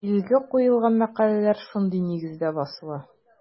Билге куелган мәкаләләр шундый нигездә басыла.